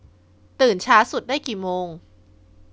ตื่นช้าสุดได้กี่โมง